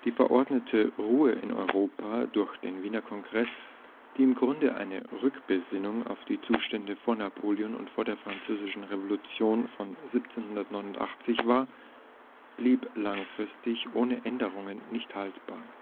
verordnete Ruhe in Europa durch den Wiener Kongress, die im Grunde eine Rückbesinnung auf die Zustände vor Napoleon und vor der Französischen Revolution von 1789 war, blieb langfristig ohne Änderungen nicht haltbar